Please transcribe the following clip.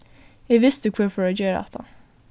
eg visti hvør fór at gera hatta